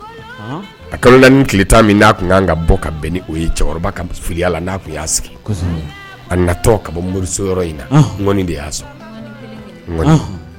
A kalo 4 ni tile 10 min n'a kun ŋaa ŋa bɔ ka bɛn ni o ye cɛkɔrɔba ka b filiyala n'a kun y'a sigi kosɛbɛ a natɔɔ ka bɔ moriso yɔrɔ in na ɔnhɔn ŋɔni de y'a sɔgɔ ŋɔni kelen-kelen in ŋɔni